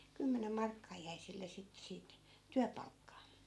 kymmenen markkaa jäi sille sitten siitä työpalkkaa